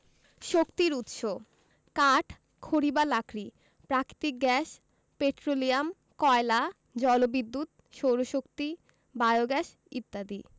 শক্তির উৎসঃ কাঠ খড়ি বা লাকড়ি প্রাকৃতিক গ্যাস পেট্রোলিয়াম কয়লা জলবিদ্যুৎ সৌরশক্তি বায়োগ্যাস ইত্যাদি